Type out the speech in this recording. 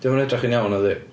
'Di o'm yn edrych yn iawn nadi.